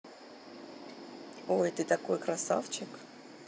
ой ты такой красавчик